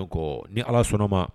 Ni ala sɔnnama